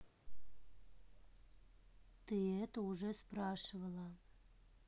ты это уже спрашивала